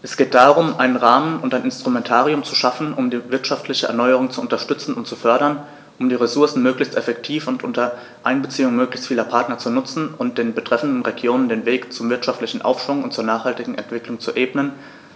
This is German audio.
Es geht darum, einen Rahmen und ein Instrumentarium zu schaffen, um die wirtschaftliche Erneuerung zu unterstützen und zu fördern, um die Ressourcen möglichst effektiv und unter Einbeziehung möglichst vieler Partner zu nutzen und den betreffenden Regionen den Weg zum wirtschaftlichen Aufschwung und zur nachhaltigen Entwicklung zu ebnen,